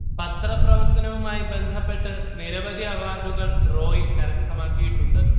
പത്രപ്രവർത്തനവുമായി ബദ്ധപ്പെട്ട് നിരവധി അവാർഡുകൾ റോയ് കരസ്ഥമാക്കിയിട്ടുണ്ട്